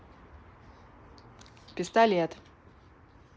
пистолет